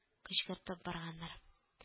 Кычкыртып барганнар: